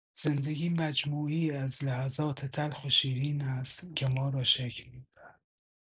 زندگی مجموعه‌ای از لحظات تلخ و شیرین است که ما را شکل می‌دهد.